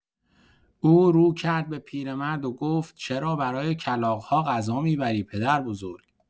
او رو کرد به پیرمرد و گفت: «چرا برای کلاغ‌ها غذا می‌بری پدربزرگ؟»